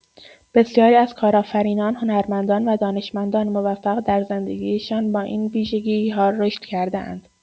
بسیاری از کارآفرینان، هنرمندان و دانشمندان موفق در زندگی‌شان با این ویژگی‌ها رشد کرده‌اند.